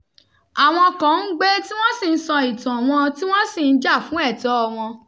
Àwọn kan ń gbé tí wọ́n sì ń sọ ìtàn-an wọn tí wọ́n sì ń jà fún ẹ̀tọ́ọ wọn.